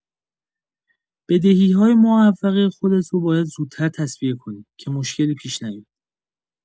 بدهی‌های معوقه خودتو باید زودتر تسویه کنی که مشکلی پیش نیاد.